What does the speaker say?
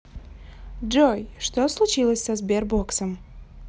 джой что случилось со сбер боксом